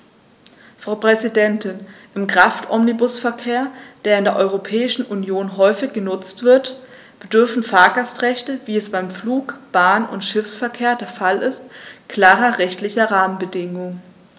Frau Präsidentin, im Kraftomnibusverkehr, der in der Europäischen Union häufig genutzt wird, bedürfen Fahrgastrechte, wie es beim Flug-, Bahn- und Schiffsverkehr der Fall ist, klarer rechtlicher Rahmenbedingungen.